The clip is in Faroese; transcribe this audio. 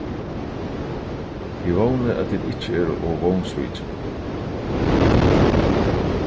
eg vóni at tit ikki eru ov vónsvikin